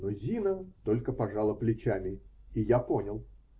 Но Зина только пожала плечами, и я понял.